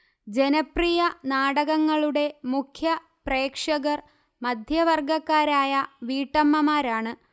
ജനപ്രിയ നാടകങ്ങളുടെ മുഖ്യ പ്രേക്ഷകർ മധ്യവർഗക്കാരായ വീട്ടമ്മമാരാണ്